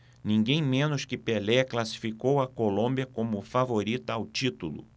ninguém menos que pelé classificou a colômbia como favorita ao título